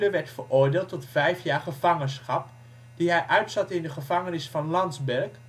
werd veroordeeld tot vijf jaar gevangenschap, die hij uitzat in de gevangenis van Landsberg